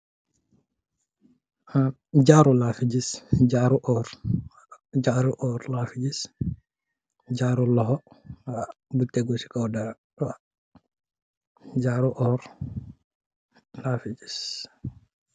Jaro lafi giss, jaro orr la fi giss, jaro loho bu tege si koww dara